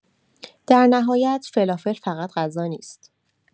در نهایت، فلافل فقط غذا نیست؛